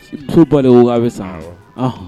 K'o ba de k'o ka bɛ san?